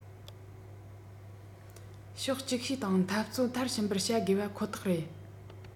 ཕྱོགས ཅིག ཤོས དང འཐབ རྩོད མཐར ཕྱིན པར བྱ དགོས པ ཁོ ཐག རེད